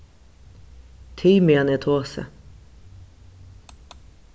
tig meðan eg tosi